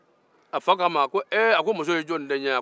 a fo ko ko muso ye jɔnni den ye